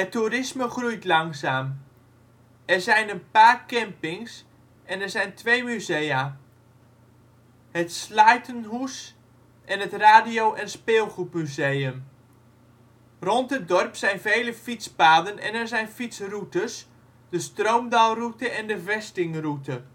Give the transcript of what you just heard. toerisme groeit langzaam. Er zijn een paar campings en er zijn twee musea: het Slaait'nhoes en het Radio - en speelgoedmuseum. Rond het dorp zijn vele fietspaden en er zijn fietsroutes: de Stroomdalroute en de Vestingroute